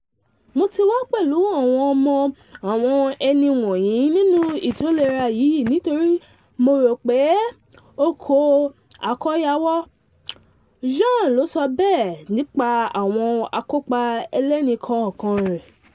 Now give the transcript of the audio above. "Mo ti wà pẹ̀lú àwọn ọ̀wọ̀ àwọn ẹni wọ̀nyìí nínú ìtòléra yìí nítorípé mo rò pé ó kó àkóyáwọ́,” Bjorn ló sọ bẹ́ẹ̀ nípa àwọn àkopa ẹlẹ́nìkọ̀ọ̀an rẹ̀.